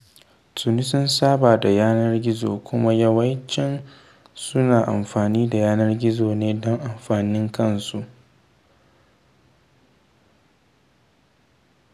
Tuni sun saba da yanar-gizo, kuma yawanci suna amfani da yanar-gizo ne don amfanin kansu.